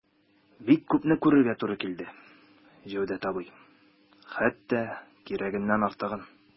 Бик күпне күрергә туры килде, Җәүдәт абый, хәтта кирәгеннән артыгын...